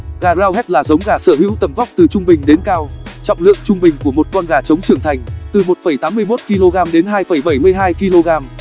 gà roundhead là giống gà sở hữu tầm vóc từ trung bình đến cao trọng lượng trung bình của một con gà trống trưởng thành từ kg kg